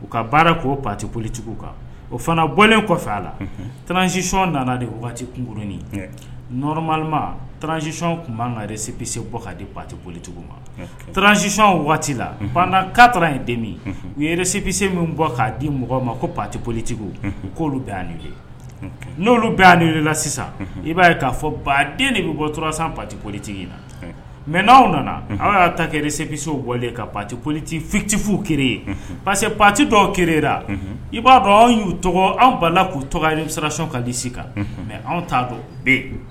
U ka baara k'o patiolitigiw kan o fana bɔlen kɔfɛ a la transisiɔn nana de waati kunkurunin nɔrɔmama tranzsiɔn tun kare sepse bɔ ka di patiolitigiw ma transisi waati la pan katara in denmi ure sepse min bɔ k'a di mɔgɔw ma ko patiolitigiw u'olu bɛ ye n'olu bɛɛ'la sisan i b'a ye k'a fɔ baden de bɛ bɔ tsan patiolitigi in na mɛ n' awaw nana an y'a ta kɛre sepse bɔ ka pati politi fitirifu ki pase pati dɔwela i b'a dɔn anw y'u tɔgɔ anw balala k'u tɔgɔ sesi kalisi kan mɛ anw t'a dɔn